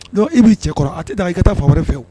Dɔnku i b'i cɛ kɔrɔ a tɛ da i ka taa fa wɛrɛ fɛwu